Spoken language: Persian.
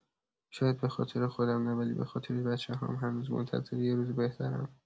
شاید به‌خاطر خودم نه، ولی به‌خاطر بچه‌هام، هنوز منتظر یه روز بهترم.